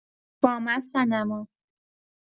با من صنما